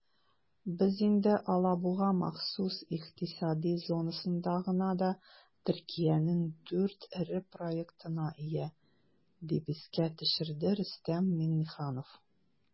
"без инде алабуга махсус икътисади зонасында гына да төркиянең 4 эре проектына ия", - дип искә төшерде рөстәм миңнеханов.